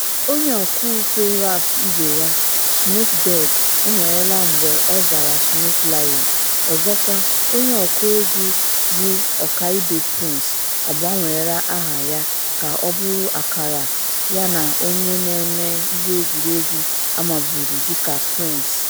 Onye ọkụ egwu rap ibe ya, Snoop Dogg enwela mgbe ọ zara Snoop Lion, ọzọkwa onye ọkụ egwu bụ ọkaibe Prince, gbanwere aha ya ka ọ bụrụ akara yana onye na-eme ihe egwuregwu amaburu dịka Prince.